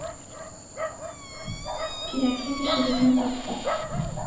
«кирәкле кешебезне таптык!» —